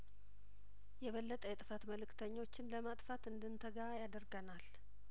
የበለጠ የጥፈት መልእክተኞችን ለማጥፋት እንድንተጋ ያደርገናል